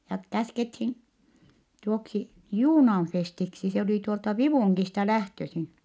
ja käskettiin tuoksi Juunaan Festiksi se oli tuolta Vivungista lähtöisin